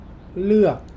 เลือก